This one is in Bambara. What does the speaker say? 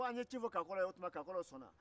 u ko an ye ci fɔ kakɔlɔw ye u sɔnna